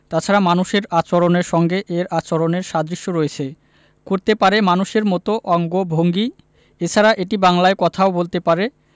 তাছাড়া মানুষের আচরণের সঙ্গে এর আচরণের সাদৃশ্য রয়েছে করতে পারে মানুষের মতো অঙ্গভঙ্গি এছাড়া এটি বাংলায় কথাও বলতে পারে